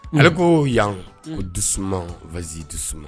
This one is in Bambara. Ale ko yan ko dusu waz dusu